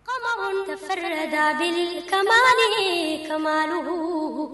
Kabafɛ da kamalenin ka